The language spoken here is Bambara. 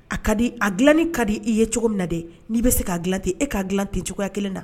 A ka di a dilanni ka di i ye cogo min na dɛ n'i bɛ se k ka dilan ten e ka dilan ten cogoya kelen na